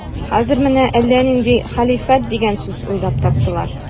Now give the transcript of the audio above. Хәзер менә әллә нинди хәлифәт дигән сүз уйлап таптылар.